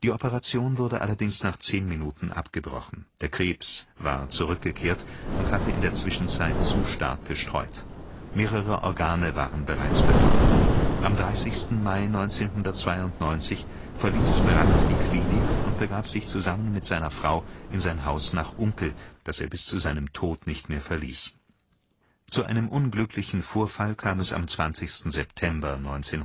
Operation wurde allerdings nach zehn Minuten abgebrochen; der Krebs war zurückgekehrt und hatte in der Zwischenzeit zu stark gestreut, mehrere Organe waren bereits betroffen. Am 30. Mai 1992 verließ Brandt die Klinik und begab sich zusammen mit seiner Frau in sein Haus nach Unkel, das er bis zu seinem Tod nicht mehr verließ. Zu einem unglücklichen Vorfall kam es am 20. September 1992